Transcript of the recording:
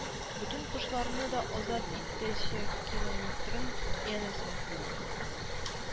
Бөтен кошларны да азат итәчәкилометрын, янәсе